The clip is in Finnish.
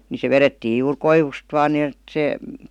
niin se vedettiin juuri koivusta vain niin että se